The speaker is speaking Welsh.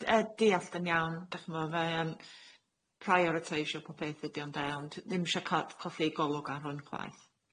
Yy deallt yn iawn dach ch'mo' fe yn prioriteisio pob peth ydi o ynde ond ddim isio ca- colli i golwg ar hwn chwaith.